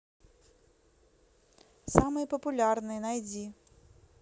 самые популярные найди